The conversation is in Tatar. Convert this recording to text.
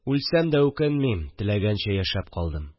Үлсәм дә үкенмим – теләгәнчә яшәп калдым